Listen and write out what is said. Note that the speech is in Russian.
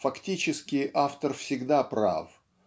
Фактически автор всегда прав